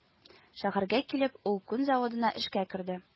Шәһәргә килеп, ул күн заводына эшкә керде